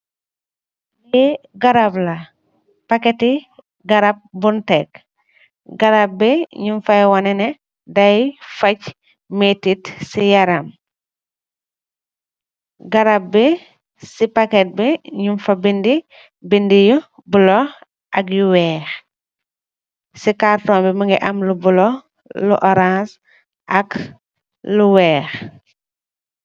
Lee garab la packete garab bun tek garab be nug faye waneneh daye fache metet se yaram garab be se packete be nung fa bede bede yu bluelo ak yu weehe se cartoon be muge am lu bluelo lu orance ak lu weehe.